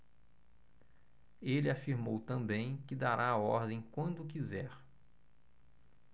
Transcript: ele afirmou também que dará a ordem quando quiser